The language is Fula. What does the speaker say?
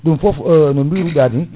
ɗum foof no biruɗani